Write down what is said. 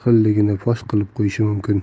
johilligini fosh qilib qo'yishi mumkin